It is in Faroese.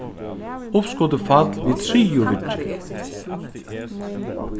uppskotið fall við triðju viðgerð